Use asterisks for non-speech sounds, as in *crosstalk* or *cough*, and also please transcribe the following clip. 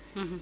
*hesitation* *hesitation*